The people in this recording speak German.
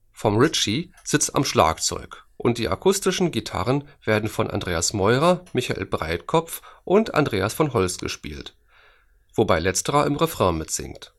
Vom Ritchie sitzt am Schlagzeug, und die akustischen Gitarren werden von Andreas Meurer, Michael Breitkopf und Andreas von Holst gespielt, wobei letzterer im Refrain mitsingt